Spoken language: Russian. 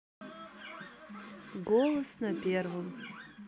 голос на первом